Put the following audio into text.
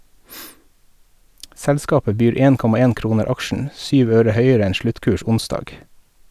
Selskapet byr 1,1 kroner aksjen, syv øre høyere enn sluttkurs onsdag.